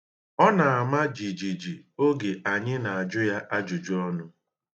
Ọ na-ama jijiji oge anyị na-ajụ ajụjụọnụ